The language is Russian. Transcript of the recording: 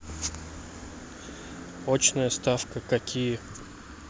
очная ставка какие